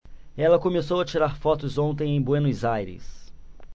ela começou a tirar fotos ontem em buenos aires